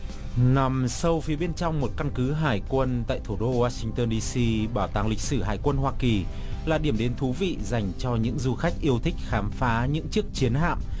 nằm sâu phía bên trong một căn cứ hải quân tại thủ đô quoa sinh tơn đi si bảo tàng lịch sử hải quân hoa kỳ là điểm đến thú vị dành cho những du khách yêu thích khám phá những chiếc chiến hạm